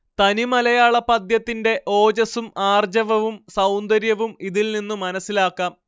തനിമലയാള പദ്യത്തിന്റെ ഓജസ്സും ആർജവവും സൗന്ദര്യവും ഇതിൽനിന്നു മനസ്സിലാക്കാം